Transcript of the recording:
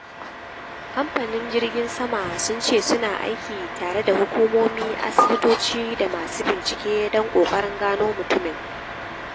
Kamfanin jirgin sama sun ce su na aiki tare da hukumomi, asibitoci da masu bincike don kokarin gano mutumin.